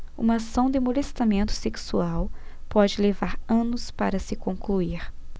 uma ação de molestamento sexual pode levar anos para se concluir